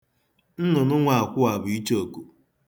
Nnụnụ nwe akwụ a bụ ichooku.